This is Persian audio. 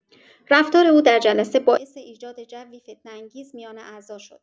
رفتار او در جلسه باعث ایجاد جوی فتنه‌انگیز میان اعضا شد.